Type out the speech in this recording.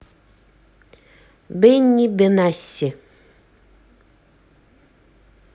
бенни бенасси